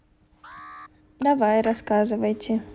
давай рассказывайте